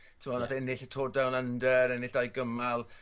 t'mod enill y Tour Down Under enill dau gymal